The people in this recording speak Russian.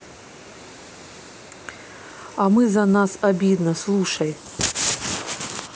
а ты за нас обидно слушай